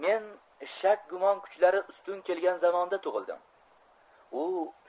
gumon kuchlari 'stun kelgan zamonda tug'ildim